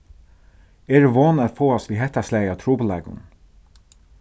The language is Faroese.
eg eri von at fáast við hetta slagið av trupulleikum